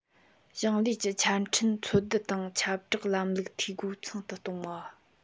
ཞིང ལས ཀྱི ཆ འཕྲིན འཚོལ སྡུད དང ཁྱབ བསྒྲགས ལམ ལུགས འཐུས སྒོ ཚང དུ གཏོང བ